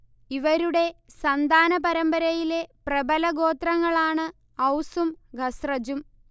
ഇവരുടെ സന്താന പരമ്പരയിലെ പ്രബല ഗോത്രങ്ങളാണ് ഔസും ഖസ്റജും